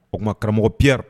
O tuma karamɔgɔ peyara